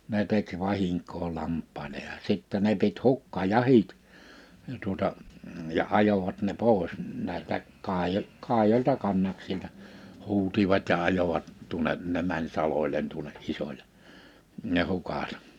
ne teki vahinkoa lampaille ja sitten ne piti hukkajahdit ja tuota ja ajoivat ne pois näistä - kaidoilta kannaksilta huusivat ja ajoivat tuonne ne meni salolle tuonne isolle ne hukat